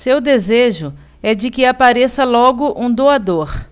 seu desejo é de que apareça logo um doador